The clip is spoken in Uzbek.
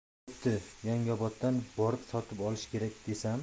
bo'pti yangioboddan borib sotib olish kerak desam